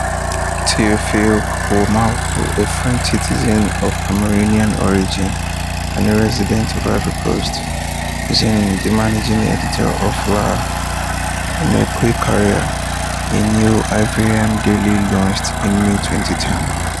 Théophile Kouamouo, a French citizen of Cameroonian origin and a resident of Ivory Coast, is the Managing Editor of Le Nouveau Courrier, a new Ivorian daily launched in May 2010.